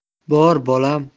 bor bolam